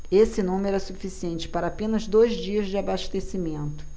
esse número é suficiente para apenas dois dias de abastecimento